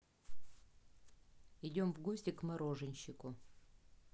идем в гости к мороженщику